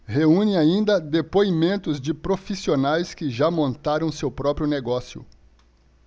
reúne ainda depoimentos de profissionais que já montaram seu próprio negócio